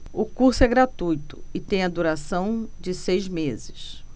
o curso é gratuito e tem a duração de seis meses